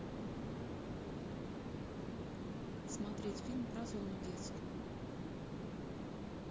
смотреть фильм про зону детскую